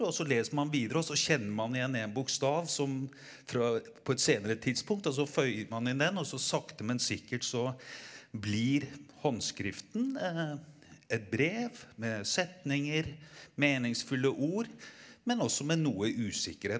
og så leser man videre og så kjenner man igjen én bokstav som fra på et senere tidspunkt og så føyer man inn den og så sakte men sikkert så blir håndskriften et brev med setninger, meningsfulle ord, men også med noe usikkerhet.